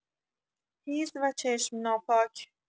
هیز و چشم ناپاک